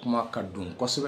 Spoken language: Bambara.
O kuma ka don kosɛbɛ